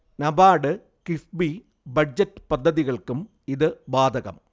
NABARD, KIIFB, budget പദ്ധതികൾക്കും ഇത് ബാധകം